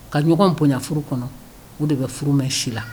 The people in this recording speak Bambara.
Ka ɲɔgɔn bonyafuru kɔnɔ o de bɛ furu mɛn si la